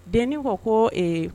Denin ko ko